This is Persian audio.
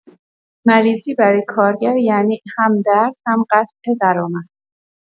مریضی برای کارگر یعنی هم‌درد، هم قطع درآمد.